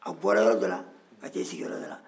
a bɔra yɔrɔ dɔ la ka taa i sigi yɔrɔ dɔ da